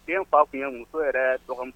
Fa tun ye muso yɛrɛ dɔgɔn